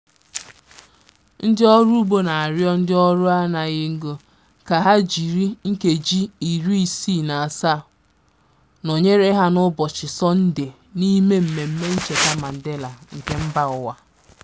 Ndị ọrụugbo na-arịọ ndị ọrụ anaghị ngo ka ha jiri nkeji 67 nọnyere ha n'ụbọchị Sọndee n'ime mmemmé Ncheta Mandela nke Mbaụwa.